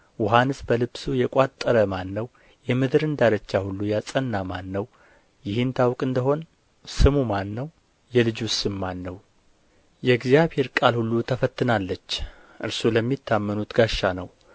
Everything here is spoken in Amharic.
ውኃንስ በልብሱ የቋጠረ ማን ነው የምድርን ዳርቻ ሁሉ ያጸና ማን ነው ይህን ታውቅ እንደ ሆንህ ስሙ ማን የልጁስ ስም ማን ነው የእግዚአብሔር ቃል ሁሉ ተፈትናለች እርሱ ለሚታመኑት ጋሻ ነው